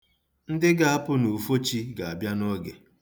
Ndị ga-apụ n'ufochi ga-abịa n'oge.